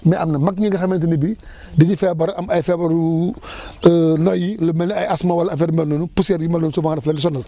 mais am na mag mi nga xamante ne bii dañuy feebar ba pare am ay feebaru noyyi lu mel ni ay asthme wala affaire yu mel noonu poussière yi ma ne leen souvent daf leen di sonal